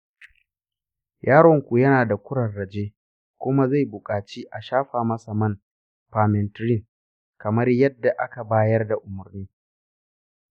yaronku yana da ƙurarraje kuma zai buƙaci a shafa masa man permethrin kamar yadda aka bayar da umarni.